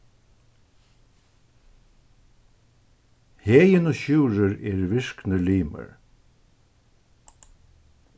heðin og sjúrður eru virknir limir